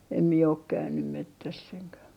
en minä ole käynyt metsässä enkä